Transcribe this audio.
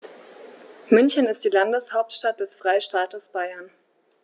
München ist die Landeshauptstadt des Freistaates Bayern.